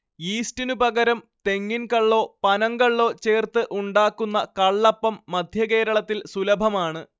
യീസ്റ്റിനു പകരം തെങ്ങിൻ കള്ളോ പനങ്കള്ളോ ചേർത്ത് ഉണ്ടാക്കുന്ന കള്ളപ്പം മധ്യകേരളത്തിൽ സുലഭമാണ്